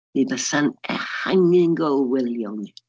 Mi fysa'n ehangu'n gorwelion ni.